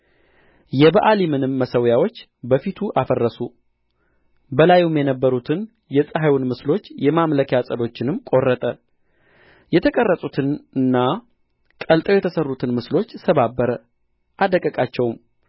የበኣሊምንም መሠዊያዎች በፊቱ አፈረሱ በላዩም የነበሩትን የፀሐዩን ምስሎች የማምለኪያ ዐፀዶቹንም ቈረጠ የተቀረጹትንና ቀልጠው የተሠሩትን ምስሎች ሰባበረ አደቀቃቸውም